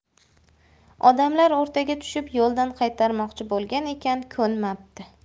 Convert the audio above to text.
odamlar o'rtaga tushib yo'ldan qaytarmoqchi bo'lgan ekan ko'nmapti